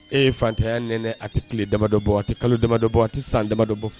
E fantanya nɛnɛ a tɛ tile damamadɔ bɔ a tɛ kalo damadɔ bɔ a tɛ san damadɔ bɔ